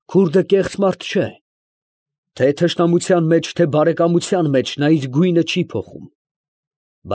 Քուրդը կեղծ մարդ չէ. թե՛ թշնամության մեջ, թե՛ բարեկամության մեջ նա իր գույնը չի փոխում։